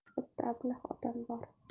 bitta ablah odam bor